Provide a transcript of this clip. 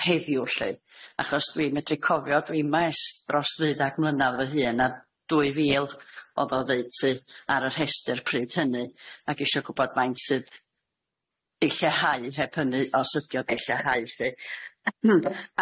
heddiw lly achos dwi medru cofio dwi yma ers dros ddeuddag mlynadd fy hun a dwy fil o'dd oddeutu sy ar y rhestyr pryd hynny ag isho gwbod faint sydd 'di lleihau heb hynny os ydi o 'di llehau lly.